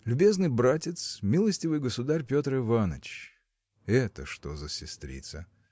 Любезный братец, милостивый государь, Петр Иваныч! – Это что за сестрица!